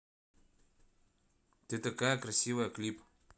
ты такая красивая клип